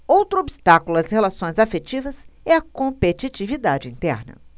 outro obstáculo às relações afetivas é a competitividade interna